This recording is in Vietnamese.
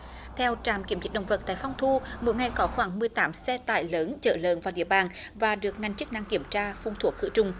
theo trạm kiểm dịch động vật tại phong thu mỗi ngày có khoảng mười tám xe tải lớn chở lợn vào địa bàn và được ngành chức năng kiểm tra phun thuốc khử trùng